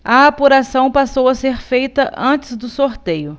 a apuração passou a ser feita antes do sorteio